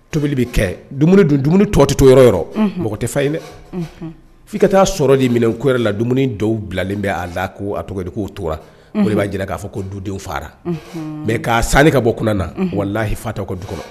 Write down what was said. Tobili bɛ kɛ dumuni tɔ tɛ to yɔrɔ yɔrɔ mɔgɔ tɛ fa ye dɛ f'i ka taa sɔrɔ di minɛ la dumuni dɔw bilalen bɛ a la ko a tɔgɔ k' tora mori b'a jira k'a fɔ ko dudenwfa mɛ ka san ka bɔ kunna na walahi fatɔ du kɔnɔ